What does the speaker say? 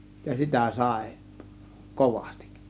ja sitä sai kovasti